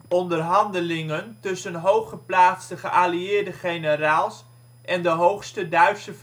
onderhandelingen tussen hooggeplaatste geallieerde generaals en de hoogte Duitse